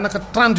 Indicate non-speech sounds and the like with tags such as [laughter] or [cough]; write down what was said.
[hesitation] [hesitation]